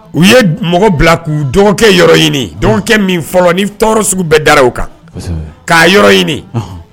U ye d mɔgɔ bila k'u dɔgɔkɛ yɔrɔ ɲini dɔgɔkɛ min fɔlɔ ni f tɔɔrɔ sugu bɛɛ dar'aw kan kosɛbɛ k'a yɔrɔ ɲini ɔnhɔn